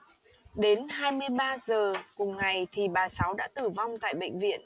đến hai mươi ba giờ cùng ngày thì bà sáu đã tử vong tại bệnh viện